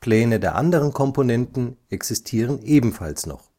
Pläne der anderen Komponenten existieren ebenfalls noch